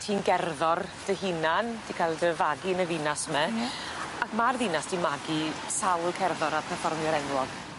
...ti'n gerddor dy hunan, 'di ca'l dy fagu yn y ddinas 'my. Ie. Ac ma'r ddinas 'di magu sawl cerddor a perfformiwr enwog.